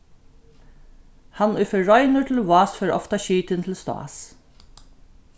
hann ið fer reinur til vás fer ofta skitin til stás